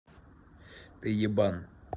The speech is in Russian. ты ебан